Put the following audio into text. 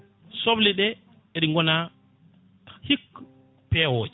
sobleɗe e ɗi gona hikka peewoje